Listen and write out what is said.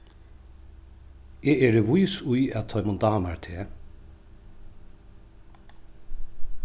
eg eri vís í at teimum dámar teg